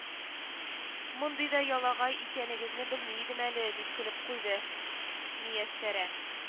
—мондый да ялагай икәнегезне белми идем әле,—дип көлеп куйды мияссәрә